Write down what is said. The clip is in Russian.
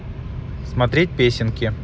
смотреть песенки